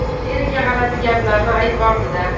eriga g'alati gaplarni aytvordi da